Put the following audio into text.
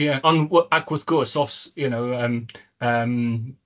Ie on- wy-... Ac wrth gwrs, os you know, yym yym